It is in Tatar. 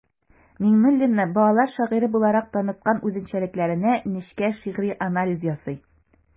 Миңнуллинны балалар шагыйре буларак таныткан үзенчәлекләренә нечкә шигъри анализ ясый.